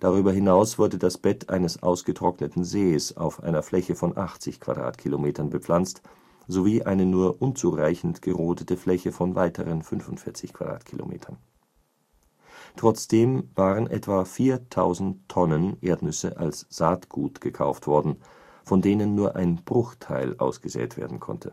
Darüber hinaus wurde das Bett eines ausgetrockneten Sees auf einer Fläche von 80 km² bepflanzt sowie eine nur unzureichend gerodete Fläche von weiteren 45 km². Trotzdem waren etwa 4.000 t Erdnüsse als Saatgut gekauft worden, von denen nur ein Bruchteil ausgesät werden konnte.